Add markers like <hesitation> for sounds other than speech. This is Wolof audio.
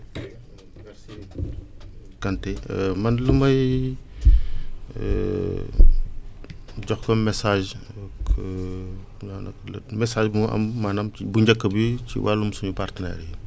<noise> ok merci beaucoup <noise> Kanté <hesitation> man lu may <noise> <hesitation> jox comme message <hesitation> xanaa nag message bu ma am maanam ci bu njëkk bi si wàllum suñu partenaires yi